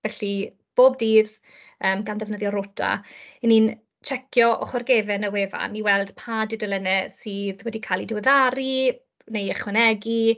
Felly bob dydd, yym gan ddefnyddio rota, 'y ni'n tsecio ochr gefen y wefan i weld pa dudalennau sydd wedi cael eu diweddaru neu ychwanegu.